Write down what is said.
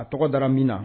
A tɔgɔ dara min na